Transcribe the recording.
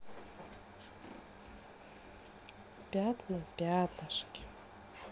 пятна пятнышки